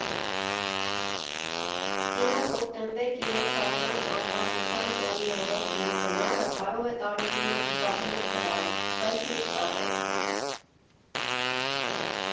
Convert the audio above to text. ԿԻՆՈ «Հոկտեմբեր» կինոթատրոն Անկախության տոնի օրով կինո գնալը կարող է տարօրինակ զբաղմունք թվալ, բայց մի շտապեք։